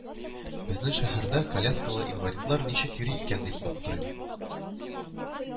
Безнең шәһәрдә коляскалы инвалидлар ничек йөри икән дип аптырыйм